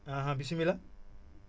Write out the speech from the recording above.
bisimilah